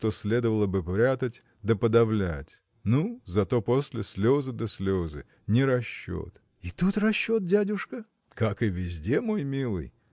что следовало бы прятать да подавлять ну зато после слезы да слезы не расчет! – И тут расчет, дядюшка?. – Как и везде, мой милый